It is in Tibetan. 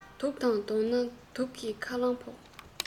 དུག དང བསྡོངས ན དུག གི ཁ རླངས ཕོག